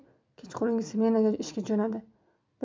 kechqurungi smenaga ishga jo'nadi